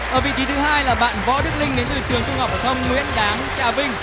ở vị trí thứ hai là bạn võ đức linh đến từ trường trung học phổ thông nguyễn đáng trà vinh